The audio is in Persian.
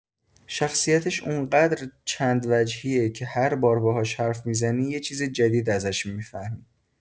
شخصیتش اونقدر چندوجهیه که هر بار باهاش حرف می‌زنی یه چیز جدید ازش می‌فهمی.